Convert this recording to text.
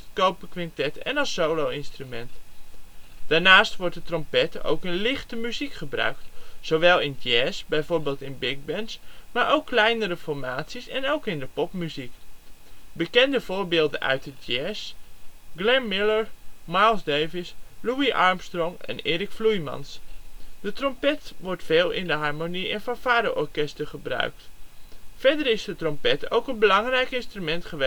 en als solo-instrument. Daarnaast wordt de trompet ook in de lichte muziek gebruikt. Zowel in de jazz - bijvoorbeeld in big-bands, maar ook kleinere formaties, en ook in de popmuziek. Bekende voorbeelden uit de jazz: Glenn Miller, Miles Davis, Louis Armstrong en Eric Vloeimans. De trompet wordt veel in de harmonie - en fanfare-orkesten gebruikt. Verder is de trompet ook een belangrijk instrument